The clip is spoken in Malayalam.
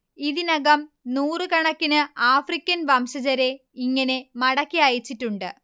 ഇതിനകം നൂറു കണക്കിന് ആഫ്രിക്കൻ വംശജരെ ഇങ്ങനെ മടക്കി അയച്ചിട്ടുണ്ട്